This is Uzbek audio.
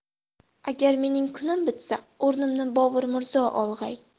agar mening kunim bitsa o'rnimni bobur mirzo olg'ay